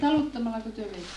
taluttamallako te veitte